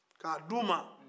k'a d'u ma